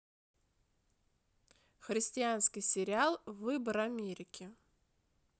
христианский сериал выбор америка